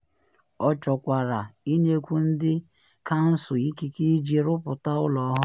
Ọ chọkwara ịnyekwu ndị kansụl ikike iji rụpụta ụlọ ọhụrụ.